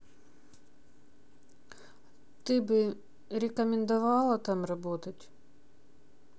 ты бы рекомендовала там работать